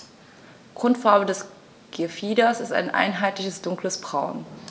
Grundfarbe des Gefieders ist ein einheitliches dunkles Braun.